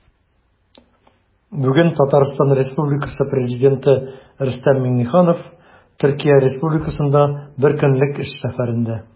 Бүген Татарстан Республикасы Президенты Рөстәм Миңнеханов Төркия Республикасында бер көнлек эш сәфәрендә.